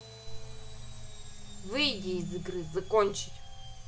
выйди из игры закончить